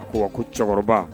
Ko ko cɛkɔrɔba